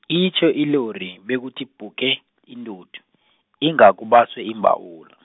itjho ilori, bekuthi puke, intuthu, inga kubaswe imbawula.